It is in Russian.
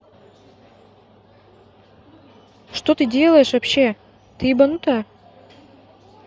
что ты делаешь вообще ты ебанутая